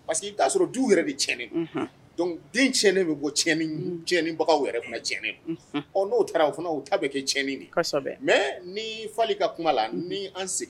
'a sɔrɔ den bɛ bɔ cɛnɲɛnbagaw yɛrɛ cɛn ɔ n'o taara o fana ta bɛ kɛ cɛnɲɛnin mɛ ni fali ka kuma la an segin